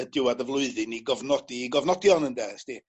y diwadd y flwyddyn i gofnodi 'i gofnodion ynde ysdi?